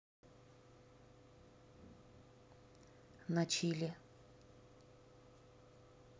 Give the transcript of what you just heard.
на чиле